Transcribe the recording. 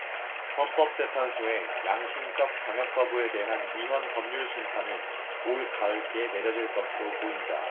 헌법재판소의 양심적 병역거부에 대한 위헌 법률심판은 올가을께 내려질 것으로 보인다